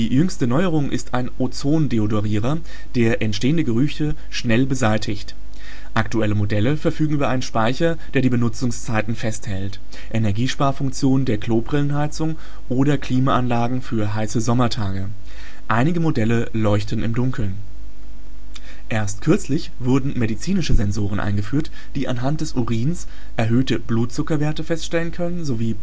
jüngste Neuerung ist ein Ozon-Deodorierer, der entstehende Gerüche schnell beseitigt. Aktuelle Modelle verfügen über einen Speicher, der die Benutzungszeiten festhält, Energiesparfunktionen der Klobrillenheizung, oder Klimaanlagen für heiße Sommertage. Einige Modelle leuchten im Dunkeln. Erst kürzlich wurden medizinische Sensoren eingeführt, die anhand des Urins die Blutzuckerwerte messen sowie Puls